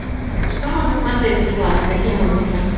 что можно смотреть бесплатно какие мультики